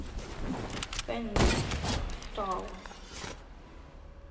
candy устал